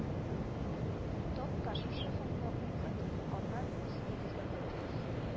Тап та шушы хатны укыт, аннан үз өегезгә кайтыгыз